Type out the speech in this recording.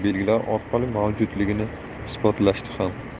belgilar orqali mavjudligini isbotlashdi ham